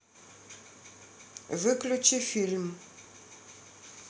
выключи фильм